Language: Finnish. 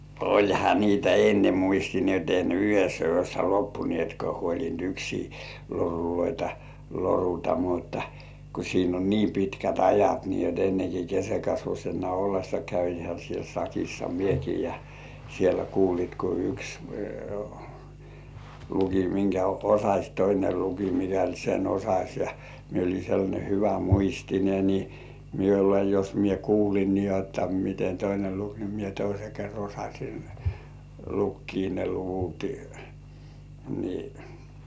olihan niitä ennen muisti niin että ei ne yhdessä yössä loppuneetkaan huolinut yksiä loruja loruta mutta kun siinä on niin pitkät ajat niin jotta ennen kuin keskenkasvuisena ollessa kävinhän siellä sakissa minäkin ja siellä kuulit kun yksi luki minkä osasi toinen luki mikälti sen osasi ja minä olin sellainen hyvämuistinen niin minulle jos minä kuulin niin jotta miten toinen luki niin minä toisen kerran osasin lukea ne luvut niin